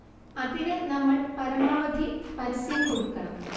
അതിന് നമ്മൾ പരമാവധി പരസ്യം കൊടുക്കണം